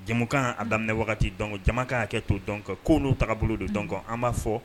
Jamukan kan a daminɛ wagati dɔn jamakan hakɛ kɛ to dɔn kan k'olu ta bolo don dɔn kɔ an b'a fɔ